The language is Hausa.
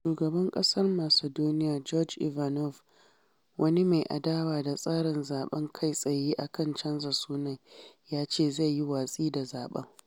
Shugaban Ƙasar Macedonia Gjorge Ivanov, wani mai adawa da tsarin zaɓen kai tsaye a kan canza sunan, ya ce zai yi watsi da zaɓen.